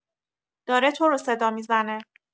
داره تو رو صدا می‌زنه!